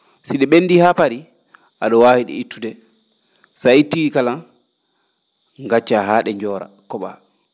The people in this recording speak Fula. si ?e ?enndii haa parii a?o waawi ?e ittude so a ittii kala? ngaccaa haa ?e njoora ko?aa